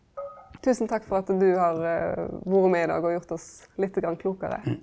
tusen takk for at du har vore med i dag og gjort oss lite grann klokare.